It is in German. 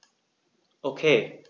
Okay.